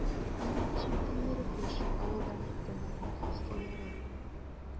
Менә ничек тилмереп яши авылдан киткәннәрнең хислеләре?